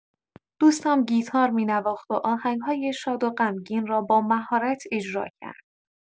دوستم گیتار می‌نواخت و آهنگ‌های شاد و غمگین را با مهارت اجرا کرد.